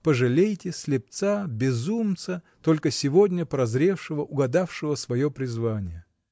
Пожалейте слепца, безумца, только сегодня прозревшего, угадавшего свое призвание!